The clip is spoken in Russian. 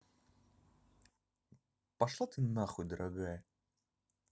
пошла ты нахуй дорогая